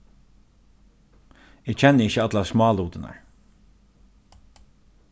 eg kenni ikki allar smálutirnar